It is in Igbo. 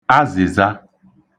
azị̀za